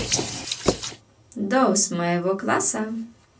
down с моего класса